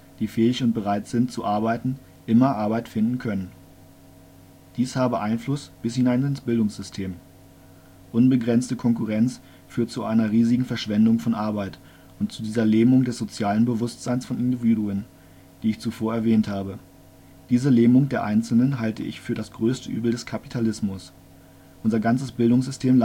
fähig und bereit sind, zu arbeiten immer Arbeit finden können. “Dies habe Einfluss bis hinein ins Bildungssystem: „ Unbegrenzte Konkurrenz führt zu einer riesigen Verschwendung von Arbeit und zu dieser Lähmung des sozialen Bewusstseins von Individuen, die ich zuvor erwähnt habe. Diese Lähmung der Einzelnen halte ich für das größte Übel des Kapitalismus. Unser ganzes Bildungssystem